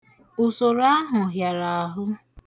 Usoro ahụ hịara ahụ.